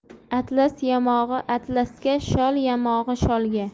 atlas yamog'i atlasga shol yamog'i sholga